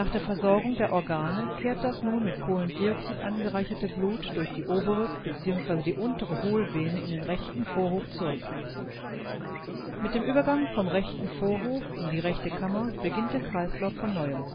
der Versorgung der Organe kehrt das nun mit Kohlendioxid angereicherte Blut durch die obere bzw. die untere Hohlvene in den rechten Vorhof zurück. Mit dem Übergang vom rechten Vorhof in die rechte Kammer beginnt der Kreislauf von neuem